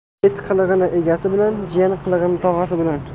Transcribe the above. it qilig'ini egasi bilar jiyan qilig'ini tog'asi